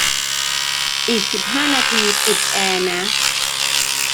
อีกสิบห้านาทีปิดแอร์นะ